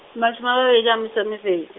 mashome a mabedi a metso e mebe .